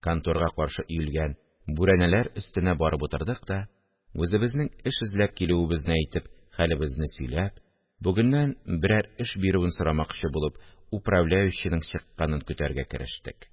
Конторга каршы өелгән бүрәнәләр өстенә барып утырдык та, үзебезнең эш эзләп килүебезне әйтеп, хәлебезне сөйләп, бүгеннән берәр эш бирүен сорамакчы булып, управляющийның чыкканын көтәргә керештек